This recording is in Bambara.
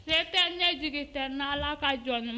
Se ne jigi tɛ n ala ka jɔn